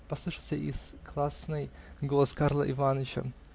-- послышался из классной голос Карла Иваныча.